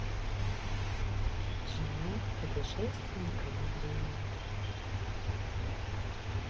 жена путешественника во времени